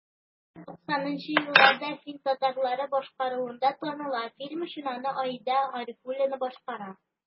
Бу җыр 90 нчы елларда фин татарлары башкаруында таныла, фильм өчен аны Аида Гарифуллина башкара.